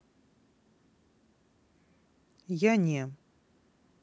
я не